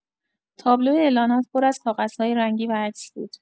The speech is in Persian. تابلو اعلانات پر از کاغذهای رنگی و عکس بود.